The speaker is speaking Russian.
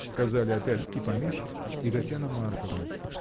— сказали опять и помещик, и Татьяна Марковна.